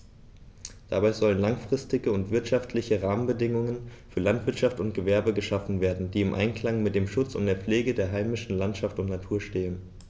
Dabei sollen langfristige und wirtschaftliche Rahmenbedingungen für Landwirtschaft und Gewerbe geschaffen werden, die im Einklang mit dem Schutz und der Pflege der heimischen Landschaft und Natur stehen.